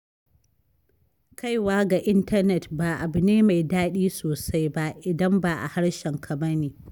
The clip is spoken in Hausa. Kaiwa ga intanet ba abu ne mai daɗi sosai ba, idan ba a harshenka ba ne.